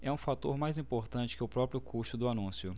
é um fator mais importante que o próprio custo do anúncio